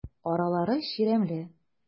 Аралары чирәмле.